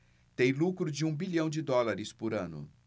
tem lucro de um bilhão de dólares por ano